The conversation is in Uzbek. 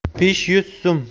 besh yuz so'm